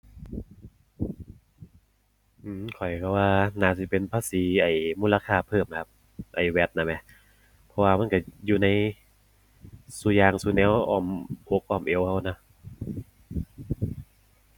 อือ ข้อยก็ว่าน่าสิเป็นภาษี ไอ้ มูลค่าเพิ่มอะครับ ไอ้ VAT น่ะแหม เพราะว่ามันก็อยู่ในซุอย่างซุแนว อ้อมอกอ้อมเอวก็อะนะ